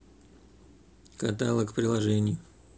каталог приложений